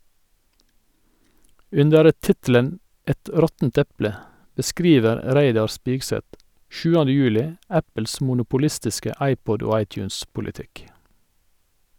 Under tittelen "Et råttent eple" beskriver Reidar Spigseth 7. juli Apples monopolistiske iPod- og iTunes-politikk.